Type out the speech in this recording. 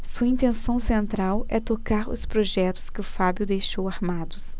sua intenção central é tocar os projetos que o fábio deixou armados